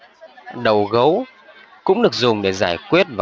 đầu gấu cũng được dùng để giải quyết